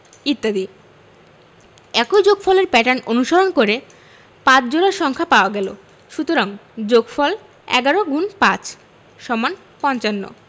ইত্যাদি একই যোগফলের প্যাটার্ন অনুসরণ করে ৫ জোড়া সংখ্যা পাওয়া গেল সুতরাং যোগফল ১১x৫=৫৫